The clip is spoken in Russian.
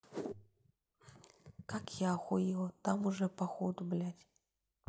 как я охуел там уже походу блядь